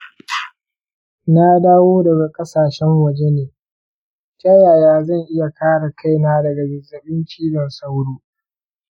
na dawo daga ƙasashen waje ne. ta yaya zan iya kare kaina daga zazzabin cizon sauro?